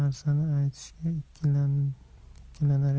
narsani aytishga ikkilanar edi